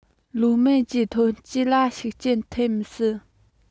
ཡར ལ སྨད པའི དོན གྱི ཁ ཕྱོགས ནས བསམ བློ གཏོང དགོས